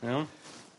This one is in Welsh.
Iawn?